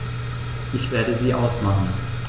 Ich werde sie ausmachen.